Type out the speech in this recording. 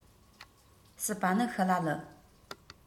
སྲིད པ ནི ཤི ལ ལི